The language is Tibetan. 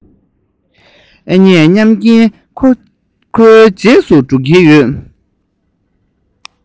ཨེ རྙེད སྙམ གྱིན ཁོའི རྗེས སུ འགྲོ གི ཡོད